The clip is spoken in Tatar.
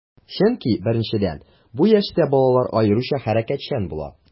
Чөнки, беренчедән, бу яшьтә балалар аеруча хәрәкәтчән була.